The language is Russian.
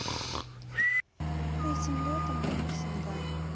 этим летом навсегда